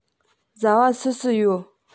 བཟའ བ སུ སུ ཡོད